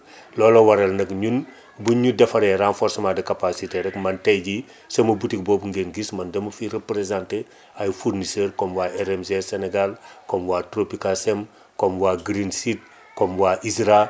looloo waral nag ñun buñ ñu defalee renforcement de capacité rek man tey jii sama boutique boobu ngeen gis man dama fi représenté ay fournisseurs comme waa RNG Sénégal comme waa Tropicasen comme waa Greenseed comme waa ISRA